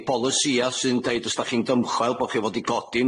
ni polisia sy'n deud os 'dach chi'n dymchwel bo' chi fod 'di codi